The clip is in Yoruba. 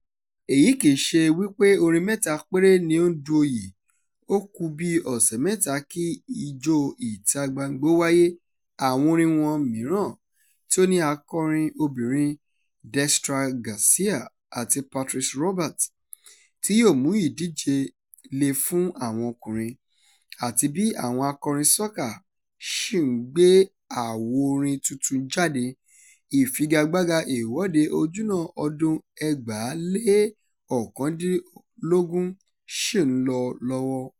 Èyí kì í ṣe wípé orin mẹ́ta péré ni ó ń du oyè. Ó ku bí ọ̀sẹ̀ mẹ́ta kí Ijó ìta-gbangba ó wáyé, àwọn orin wọn mìíràn — tí ó ní akọrin obìrin Destra Garcia àti Patrice Roberts —tí yóò mú ìdíje le fún àwọn ọkùnrin, àti bí àwọn akọrin soca ṣì ń gbé àwo orin tuntun jáde, ìfigagbága Ìwọ́de Ojúnà ọdún-un 2019 ṣì ń lọ lọ́wọ́.